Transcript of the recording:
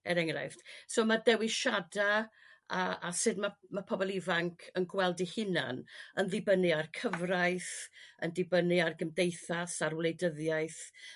er enghraifft so ma' dewisada' a a sud ma' ma' pobl ifanc yn gweld 'u hunain yn ddibynnu ar cyfraith yn dibynnu ar gymdeithas â'r wleidyddiaeth